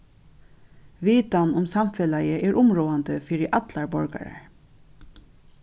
vitan um samfelagið er umráðandi fyri allar borgarar